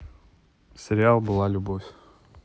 сериал была любовь